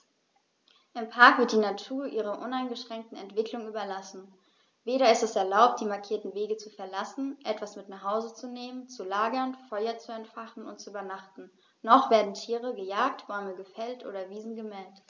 Im Park wird die Natur ihrer uneingeschränkten Entwicklung überlassen; weder ist es erlaubt, die markierten Wege zu verlassen, etwas mit nach Hause zu nehmen, zu lagern, Feuer zu entfachen und zu übernachten, noch werden Tiere gejagt, Bäume gefällt oder Wiesen gemäht.